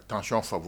Tasumacɔn fa